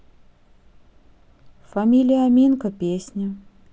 фамилия аминка песня